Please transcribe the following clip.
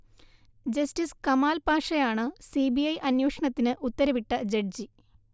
justice Kamal പാഷയാണ് CBI അന്വേഷണത്തിന് ഉത്തരവിട്ട ജഡ്ജി